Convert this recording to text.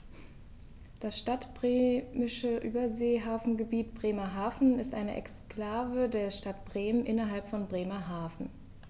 Das Stadtbremische Überseehafengebiet Bremerhaven ist eine Exklave der Stadt Bremen innerhalb von Bremerhaven.